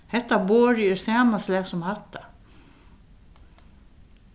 hetta borðið er sama slag sum hatta